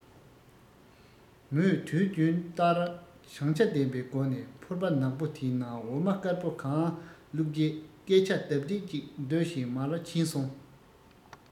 མོས དུས རྒྱུན ལྟར བྱང ཆ ལྡན པའི སྒོ ནས ཕོར པ ནག པོ དེའི ནང འོ མ དཀར པོ གང བླུགས རྗེས སྐད ཆ ལྡབ ལྡིབ ཅིག ཟློ བཞིན མར ཕྱིན སོང